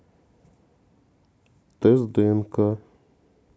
тест днк